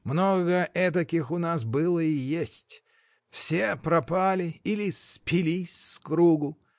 Много этаких у нас было и есть: все пропали или спились с кругу.